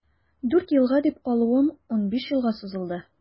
Дүрт елга дип калуым унбиш елга сузылды.